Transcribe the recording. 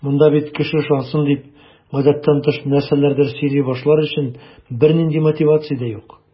Монда бит кеше ышансын дип, гадәттән тыш нәрсәләрдер сөйли башлар өчен бернинди мотивация дә юк.